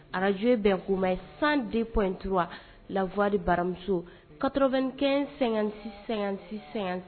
radio bɛn kuma 102.3 la voix de baramuso 95 56 56 55 .